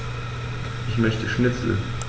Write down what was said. Ich möchte Schnitzel.